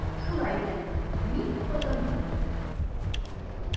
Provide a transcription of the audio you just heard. Шулай итеп, мин Казаннан сөрелдем.